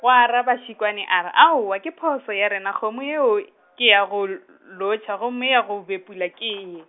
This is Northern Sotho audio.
gwa araba Šikwane a re aowa ke phošo ya rena kgomo eo, ke ya go l-, lotšha gomme ya go bepula ke ye.